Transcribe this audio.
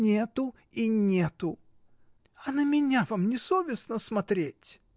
— Нету и нету: а на меня вам не совестно смотреть?